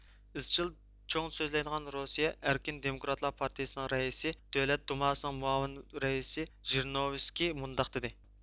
ئىزچىل چوڭ سۆزلەيدىغان روسىيە ئەركىن دېموكراتلار پارتىيىسىنىڭ رەئىسى دۆلەت دۇماسىنىڭ مۇئاۋىن رەئىسى ژىرنوۋىسكىي مۇنداق دېدى